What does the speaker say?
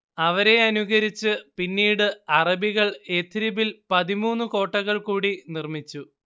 അവരെ അനുകരിച്ചു പിന്നീട് അറബികൾ യഥ്രിബിൽ പതിമൂന്നു കോട്ടകൾ കൂടി നിർമ്മിച്ചു